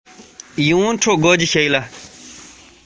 ཁྱིམ འདིའི ནང གི བུ ཆེ བ